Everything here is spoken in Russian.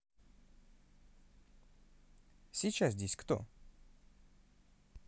сейчас здесь кто